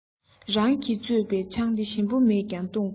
རང གིས བཙོས པའི ཆང དེ ཞིམ པོ མེད ཀྱང འཐུང དགོས